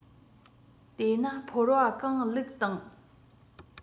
དེ ན ཕོར བ གང བླུགས དང